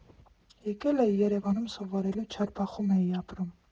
Եկել էի Երևանում սովորելու, Չարբախում էի ապրում։